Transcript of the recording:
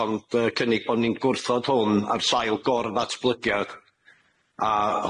ond yy cynnig bo' ni'n gwrthod hwn ar sail gordd ddatblygiad a